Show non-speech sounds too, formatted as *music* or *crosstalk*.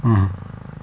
*hesitation* *hesitation* *noise*